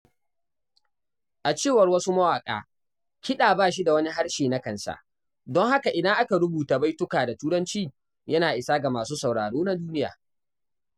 A cewar wasu mawaƙa, kiɗa ba shi da wani harshe na kansa, don haka idan aka rubuta baitukan da Turanci, yana isa ga masu sauraro na duniya.